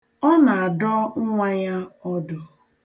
Ọ na-adọ nnwa ya ọdụ.